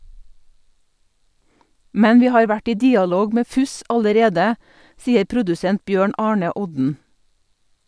Men vi har vært i dialog med Fuzz allerede, sier produsent Bjørn Arne Odden.